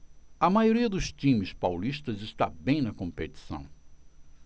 a maioria dos times paulistas está bem na competição